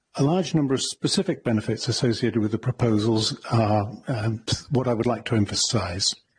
A large number of specific benefits associated with the proposals are yy what I would like to emphasise.